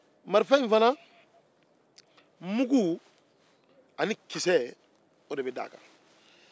mugu ni kisɛ bɛ da marifa in kan